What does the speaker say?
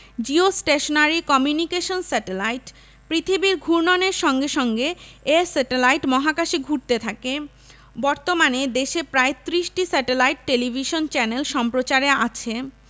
geostationary communication satellite পৃথিবীর ঘূর্ণনের সঙ্গে সঙ্গে এ স্যাটেলাইট মহাকাশে ঘুরতে থাকে বর্তমানে দেশে প্রায় ৩০টি স্যাটেলাইট টেলিভিশন চ্যানেল সম্প্রচারে আছে